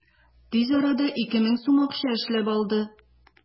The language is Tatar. Тиз арада 2000 сум акча эшләп алды.